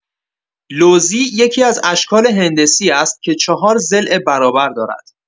لوزی یکی‌از اشکال هندسی است که چهار ضلع برابر دارد.